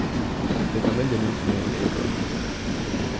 tí familjumynstrini eru broytt